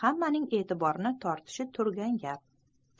hammaning e'tiborini tortishi turgan gap